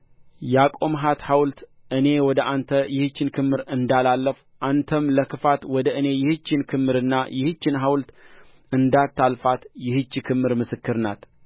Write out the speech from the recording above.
ያቆምኋት ሐውልት እኔ ወደ አንተ ይህችን ክምር እንዳላልፍ አንተም ለክፋት ወደ እኔ ይህችን ክምርና ይህችን ሐውልት እንዳታልፋት ይህች ክምር ምስክር ናት